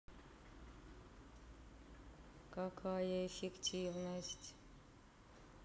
какая эффективность